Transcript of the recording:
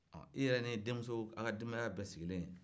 i yɛrɛ ni denmiso a ka denbaya bɛɛ sigilen